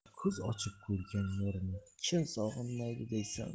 ko'z ochib ko'rgan yorini kim sog'inmaydi deysan